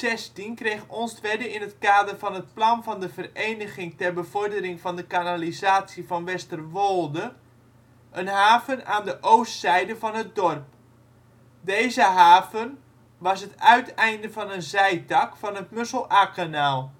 In 1916 kreeg Onstwedde in het kader van het plan van de Vereniging ter bevordering van de kanalisatie van Westerwolde een haven aan de oostzijde van het dorp. Deze haven was het uiteinde van een zijtak van het Mussel-Aa-kanaal